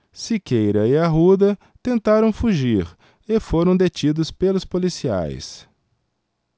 siqueira e arruda tentaram fugir e foram detidos pelos policiais